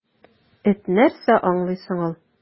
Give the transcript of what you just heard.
Эт нәрсә аңлый соң ул!